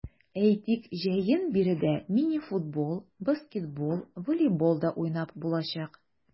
Әйтик, җәен биредә мини-футбол, баскетбол, волейбол да уйнап булачак.